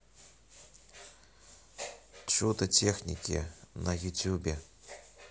чудо техники на ютубе